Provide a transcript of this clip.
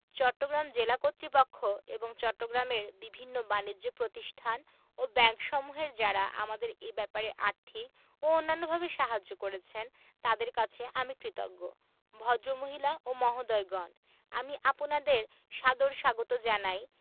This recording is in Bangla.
চট্টগ্রাম জেলা কর্তৃপক্ষ এবং চট্টগ্রামের বিভিন্ন বানিজ্য প্রতিষ্ঠান ও ব্যাংকসমূহ যারা আমাদের এ ব্যাপারে আর্থিক এবং অন্যান্যভাবে সহযোগিতা করেছেন তাঁদের কাছে আমি কৃতজ্ঞ ভদ্রমহিলা ও মহোদয়গণ আমি আপনাদের সাদর স্বাগত জানাই